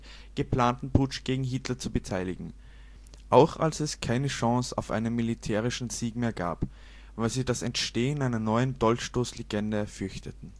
geplanten Putsch gegen Hitler zu beteiligen – auch als es keine Chancen auf einen militärischen Sieg mehr gab –, weil sie das Entstehen einer neuen Dolchstoßlegende fürchteten